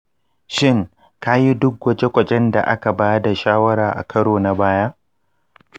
shin ka yi duk gwaje-gwajen da aka ba da shawara a karo na baya?